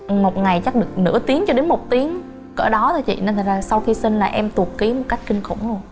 một ngày chắc được nửa tiếng cho đến một tiếng cỡ đó thôi chị nên thành ra sau khi sinh là em tụt kí một cách kinh khủng luôn